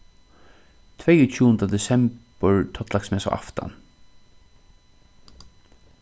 tveyogtjúgunda desembur tollaksmessuaftan